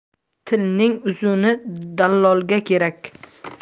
tilning uzuni dallolga kerak